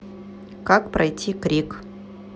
как пройти крик